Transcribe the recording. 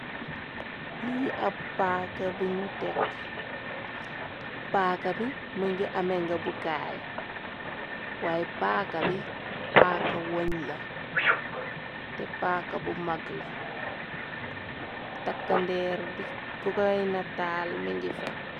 Lii ab paaka bi ñu tekk, paaka bi mi ngi ame nga bu kaay, waaye paaka bi paaka woñ la, te paaka bu mag la, takka ndeer bi kokoynataal mingi fa.